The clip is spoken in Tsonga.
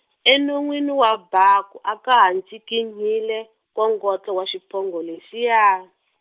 enonweni wa baku a ka ha ncikinyile, nkongotlo wa xiphongo lexiya.